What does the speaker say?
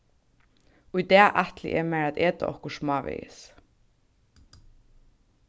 í dag ætli eg mær at eta okkurt smávegis